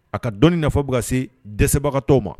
A ka dɔnni nafa bɛ ka see dɛsɛbagatɔw ma